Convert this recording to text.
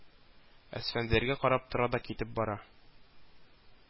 Әсфәндиярга карап тора да китеп бара